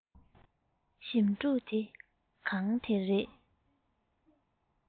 ཞི ཕྲུག དེ གང དེ རེད